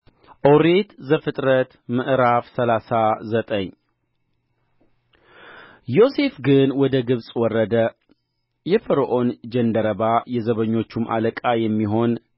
ኦሪት ዘፍጥረት ምዕራፍ ሰላሳ ዘጠኝ ዮሴፍ ግን ወደ ግብፅ ወረደ የፈርዖን ጃንደረባ የዘበኞቹም አለቃ የሚሆን የግብፅ ሰው ጲጥፋራ ወደ ግብፅ ካወረዱት ከእስማኤላውያን እጅ ገዛው